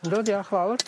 Yndw diolch fawr.